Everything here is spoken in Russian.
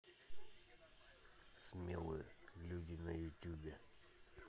смелые люди на ютубе